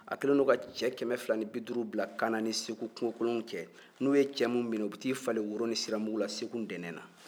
a kɛlen don ka cɛ kɛmɛ fila ni biduuru bila kana ni segu kungo kɔnɔnaw cɛ n'u ye cɛ min minɛ u bɛ t'i falen woro ni siramugu la segu ntɛnɛn na